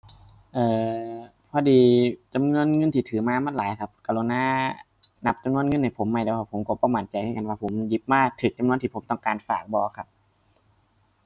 เอ่อ พอดีจำนวนเงินที่ถือมามันหลายครับกรุณานับจำนวนเงินให้ผมใหม่ได้บ่ ผมก็บ่มั่นใจคือกันว่าผมหยิบมาก็จำนวนที่ผมต้องการฝากบ่ครับ